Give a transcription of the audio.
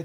1865-1938